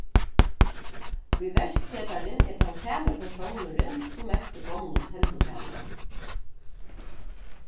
íverksetarin er tann sami persónurin sum menti gomlu teldutaluna